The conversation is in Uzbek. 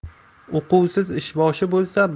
uquvsiz ishboshi bo'lsa